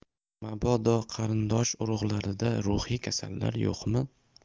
mabodo qarindosh urug'larida ruhiy kasallar yo'qmi